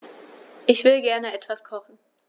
Ich will gerne etwas kochen.